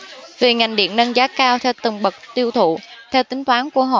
vì ngành điện nâng giá cao theo từng bậc tiêu thụ theo tính toán của họ